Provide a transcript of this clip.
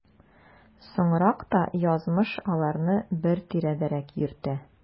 Соңрак та язмыш аларны бер тирәдәрәк йөртә.